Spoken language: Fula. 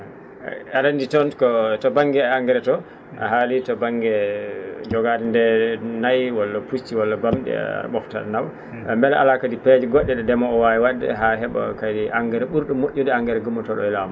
a?a anndi toon ko ba?nge engrais to a haalii to ba?nge jogaade nde ba?nge na'i walla pucci walla bam?i a?a ?ofta a?a nawa mbele ala kadi peeje go??e ?e ndemoowo waawi wa?de haa he?a kadi engrais ?ur?o mo??ude engrais gummotoo?o e laamu